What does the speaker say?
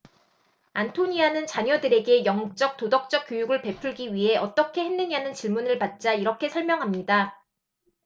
안토니아는 자녀들에게 영적 도덕적 교육을 베풀기 위해 어떻게 했느냐는 질문을 받자 이렇게 설명합니다